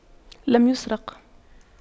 لم يسرق